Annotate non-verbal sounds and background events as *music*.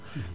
*hesitation*